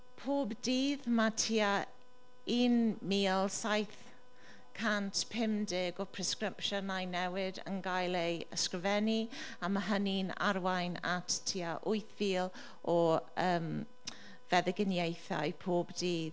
Pob dydd mae tua un mil saith cant pum deg o presgripsiynau newydd yn cael eu ysgrifennu a mae hynny'n arwain at tua wyth fil o feddyginiaethau pob dydd.